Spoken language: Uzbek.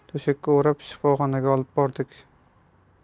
to'shakka o'rab shifoxonaga olib bordik